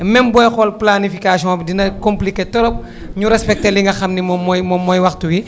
même booy xool planification bi dina compliqué trop ñu respecté li nga xam ni moom mooy moom mooy waxtu wi